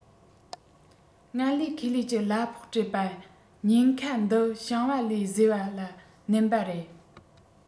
ངལ ལས ཁེ ལས ཀྱིས གླ ཕོགས སྤྲད པ ཉེན ཁ འདི ཞིང པ ལས བཟོ པ ལ བསྣན པ རེད